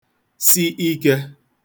si ikē